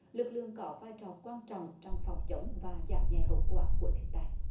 lực lượng có vai trò quan trọng trong phòng chống và giảm nhẹ hậu quả của thiên tai